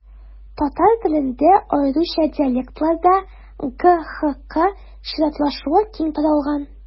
Татар телендә, аеруча диалектларда, г-х-к чиратлашуы киң таралган.